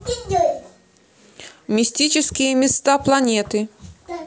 мистические места планеты